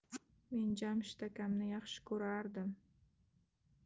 men jamshid akamni yaxshi ko'rardim